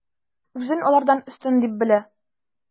Үзен алардан өстен дип белә.